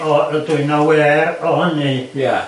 mi o'dd- dwi'n aware o hynny... Ia.